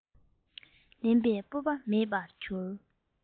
ལེན པའི སྤོབས པ མེད པར གྱུར